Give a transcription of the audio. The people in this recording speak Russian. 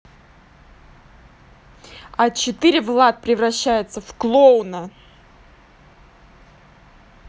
а четыре влад превращается в клоуна